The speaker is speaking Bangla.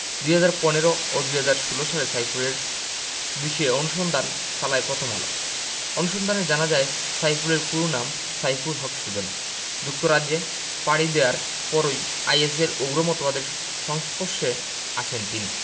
২০১৫ ও ২০১৬ সালে সাইফুলের বিষয়ে অনুসন্ধান চালায় প্রথম আলো অনুসন্ধানে জানা যায় সাইফুলের পুরো নাম সাইফুল হক সুজন যুক্তরাজ্যে পাড়ি দেয়ার পরই আইএসের উগ্র মতবাদের সংস্পর্শে আসেন তিনি